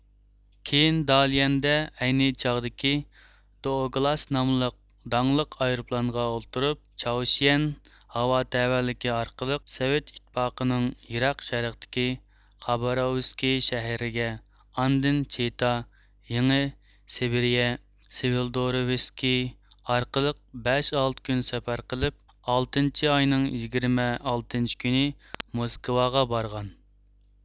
كېيىن داليەندە ئەينى چاغدىكى دوئوگلاس ناملىق داڭلىق ئايروپىلانغا ئولتۇرۇپ چاۋشيەن ھاۋا تەۋەلىكى ئارقىلىق سوۋېت ئىتتىپاقىنىڭ يىراق شەرقتىكى خاباروۋسكى شەھىرىگە ئاندىن چىتا يېڭى سىبېرىيە سىۋىلدروۋىسكى ئارقىلىق بەش ئالتە كۈن سەپەر قىلىپ ئالتىنچى ئاينىڭ يىگىرمە ئالتىنچى كۈنى موسكۋاغا بارغان